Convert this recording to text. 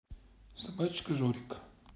собачка жорик